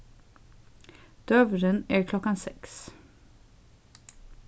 døgurðin er klokkan seks